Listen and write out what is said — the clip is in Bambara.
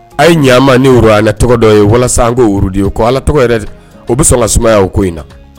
A' ye ɲɛ ma ni woroɛ tɔgɔ dɔ ye walasa kour de ye ko ala tɔgɔ yɛrɛ o bɛ sɔn ka sumaya o ko in na